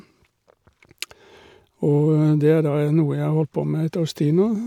Og det er da noe jeg har holdt på med et års tid nå.